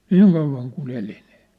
niin kauan kuin eli niin